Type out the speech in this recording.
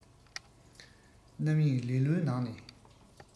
རྣམ གཡེང ལེ ལོའི ནང ནས